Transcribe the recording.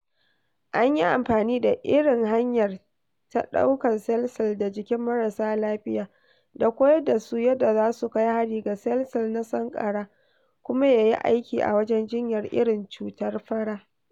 An yi amfani da irin hanyar ta ɗaukan sel-sel da jikin marassa lafiya da "koyar" da su yadda za su kai hari ga sel-sel na sankara kuma ya yi aiki a wajen jinyar irin cutar fara.